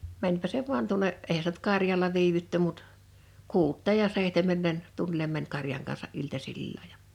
menipä se vain tuonne eihän sitä nyt karjalla viivytty mutta kuuteen ja seitsemään meni tunnille meni karjan kansa iltasilla ja